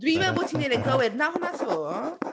Dwi’n meddwl bod ti’n wneud e'n gywir, wna hwnna to.